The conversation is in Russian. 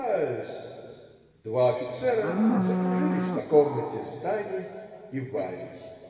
Вальс!" Два офицера закружились по комнате с Таней и Варей.